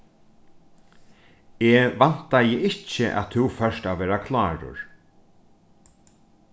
eg væntaði ikki at tú fórt at vera klárur